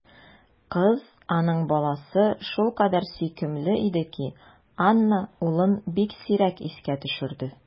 Кыз, аның баласы, шулкадәр сөйкемле иде ки, Анна улын бик сирәк искә төшерде.